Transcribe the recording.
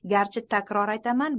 garchi takror aytaman